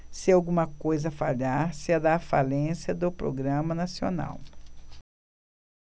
se alguma coisa falhar será a falência do programa nacional